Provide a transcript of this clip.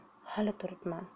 hali turibman